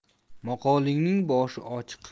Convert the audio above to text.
maqolning boshi ochiq